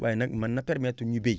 waaye nag mën na permettre ñu bay